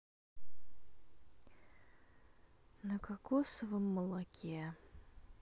на кокосовом молоке